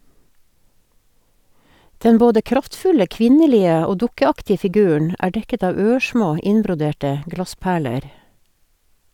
Den både kraftfulle, kvinnelige og dukkeaktige figuren er dekket av ørsmå, innbroderte glassperler.